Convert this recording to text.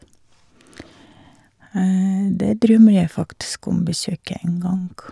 Det drømmer jeg faktisk om besøke en gang.